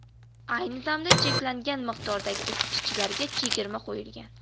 ayni damda cheklangan miqdordagi isitgichlarga chegirma qo'yilgan